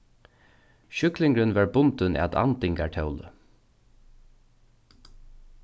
sjúklingurin var bundin at andingartóli